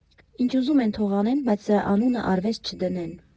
Ինչ ուզում են թող անեն, բայց սրա անունը արվեստ չդնեն։